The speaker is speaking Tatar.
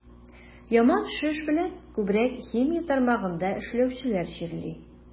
Яман шеш белән күбрәк химия тармагында эшләүчеләр чирли.